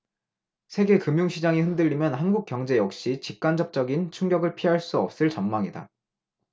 세계 금융시장이 흔들리면 한국 경제 역시 직간접적인 충격을 피할 수 없을 전망이다